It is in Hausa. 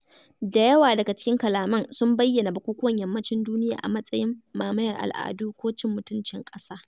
Da yawa daga cikin kalaman sun bayyana bukukuwan Yammacin duniya a matsayin "mamayar al'adu" ko "cin mutuncin ƙasa".